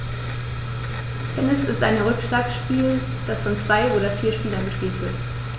Tennis ist ein Rückschlagspiel, das von zwei oder vier Spielern gespielt wird.